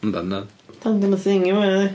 Yndan, yndan... 'Di o'm yn thing ddim mwy nadi.